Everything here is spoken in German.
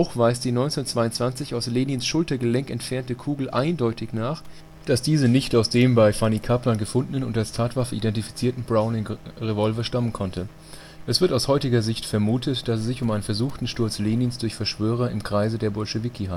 weist die 1922 aus Lenins Schultergelenk entfernte Kugel eindeutig nach, dass diese nicht aus dem bei Fanny Kaplan gefundenden und als Tatwaffe identifizierten Browning-Revolver stammen konnte. Es wird aus heutiger Sicht vermutet, dass es sich um ein versuchten Sturz Lenins durch Verschwörer im Kreise der Bolschewiki